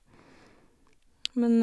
Men...